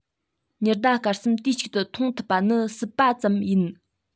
ཉི ཟླ སྐར གསུམ དུས གཅིག ཏུ མཐོང ཐུབ པ ནི སྲིད པ ཙམ ཡིན